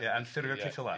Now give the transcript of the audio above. Ie anffurfio'r ceffylau.